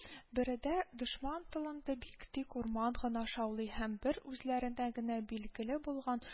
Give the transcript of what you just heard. Бередә, дошман тылында, бары тик урман гына шаулый һәм бер үзләренә генә билгеле булган